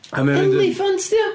A ma-... Eliffant 'di o!